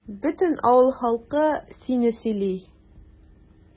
Бөтен авыл халкы сине сөйли.